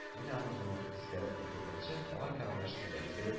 Мин аны-моны искәреп өлгергәнче, малай карандашны эләктереп